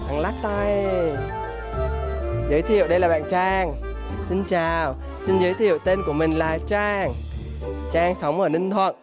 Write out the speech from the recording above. lắc tay giới thiệu đây là bạn trang xin chào xin giới thiệu tên của mình là trang trang sống ở ninh thuận